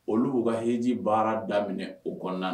Olu b'u ka Hiji baara daminɛ o kɔnɔna